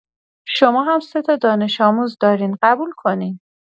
شما هم سه‌تا دانش‌آموز دارین، قبول کنین.